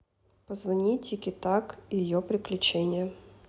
позвони тики так и ее приключения